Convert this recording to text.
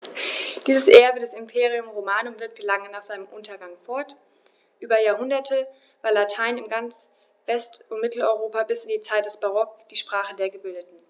Dieses Erbe des Imperium Romanum wirkte lange nach seinem Untergang fort: Über Jahrhunderte war Latein in ganz West- und Mitteleuropa bis in die Zeit des Barock die Sprache der Gebildeten.